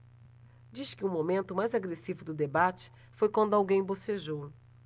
diz que o momento mais agressivo do debate foi quando alguém bocejou